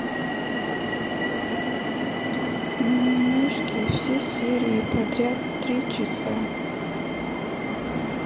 мимимишки все серии подряд три часа